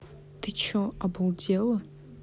ты че обалдела